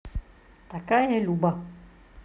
кто такая люба